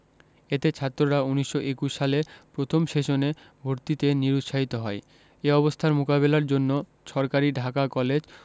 এতে ছাত্ররা ১৯২১ সালে প্রথম সেশনে ভর্তিতে নিরুৎসাহিত হয় এ অবস্থার মোকাবেলার জন্য সরকারি ঢাকা কলেজ